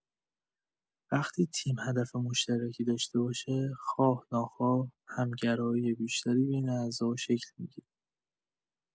وقتی تیم هدف مشترکی داشته باشه، خواه‌ناخواه همگرایی بیشتری بین اعضا شکل می‌گیره.